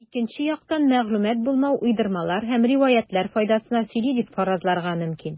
Икенче яктан, мәгълүмат булмау уйдырмалар һәм риваятьләр файдасына сөйли дип фаразларга мөмкин.